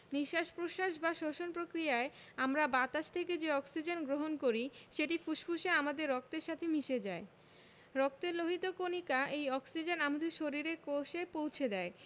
নিঃশ্বাস প্রশ্বাস বা শ্বসন প্রক্রিয়ায় আমরা বাতাস থেকে যে অক্সিজেন গ্রহণ করি সেটি ফুসফুসে আমাদের রক্তের সাথে মিশে যায় রক্তের লোহিত কণিকা এই অক্সিজেন আমাদের শরীরের কোষে পৌছে দেয়